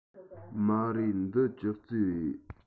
མ རེད འདི ཅོག ཙེ རེད